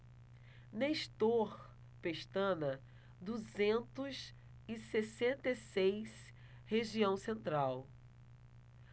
nestor pestana duzentos e sessenta e seis região central